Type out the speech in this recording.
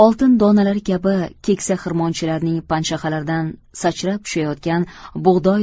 oltin donalari kabi keksa xirmonchilarning panshaxalaridan sachrab tushayotgan bug'doy